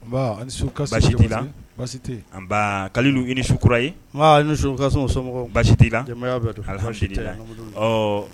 La i ni su kura ye basi t' la t'i la